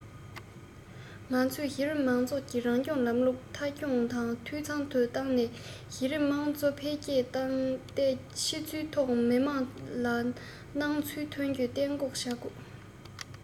ང ཚོས གཞི རིམ མང ཚོགས ཀྱི རང སྐྱོང ལམ ལུགས མཐའ འཁྱོངས དང འཐུས ཚང དུ བཏང ནས གཞི རིམ དམངས གཙོ འཕེལ རྒྱས བཏང སྟེ ཕྱི ཚུལ ཐོག མི དམངས ལ སྣང ཚུལ ཐོན རྒྱུ གཏན འགོག བྱེད དགོས